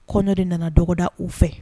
Kɔɲon de nana dɔgɔda u fɛ.